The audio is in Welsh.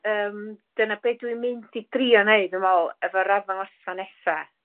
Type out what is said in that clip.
yym dyna be' dwi'n mynd i drio neud dwi me'wl efo'r arddangosfa nesa